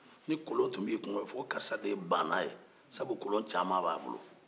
ni kolon tun b'i kun o b'a fɔ ko karisa de ye baana ye